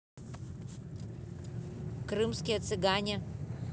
крымские цыгане